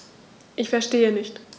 Ich verstehe nicht.